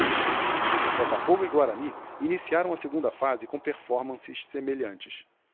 botafogo e guarani iniciaram a segunda fase com performances semelhantes